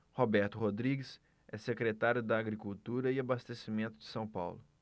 roberto rodrigues é secretário da agricultura e abastecimento de são paulo